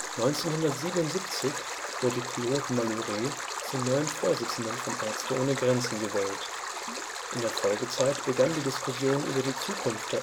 1977 wurde Claude Malhuret zum neuen Vorsitzenden von Ärzte ohne Grenzen gewählt. In der Folgezeit begann die Diskussion über die Zukunft